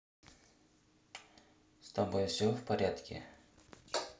с тобой все в порядке